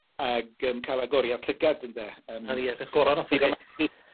ag yym ca'l agoriad llygad ynde yym.